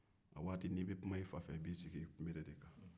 a waati n'i bɛ kuma i fa fɛ i b'i sigi i kunbere de kan